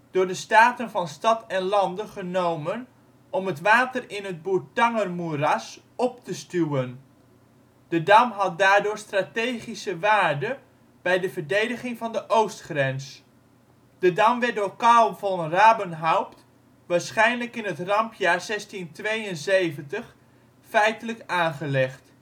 door de Staten van Stad en Lande genomen om het water in het Bourtangermoeras op te stuwen. De dam had daardoor strategische waarde bij de verdediging van de oostgrens. De dam werd door Carl von Rabenhaupt waarschijnlijk in het rampjaar 1672 feitelijk aangelegd